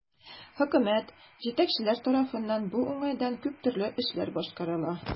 Хөкүмәт, җитәкчеләр тарафыннан бу уңайдан күп төрле эшләр башкарыла.